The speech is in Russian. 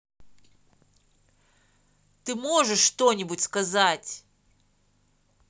ты можешь что нибудь сказать